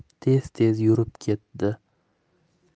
tez tez yurib ketdi